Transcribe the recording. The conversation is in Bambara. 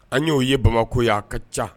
An y'o ye bamakɔya a ka ca